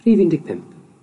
Rhif un deg pump.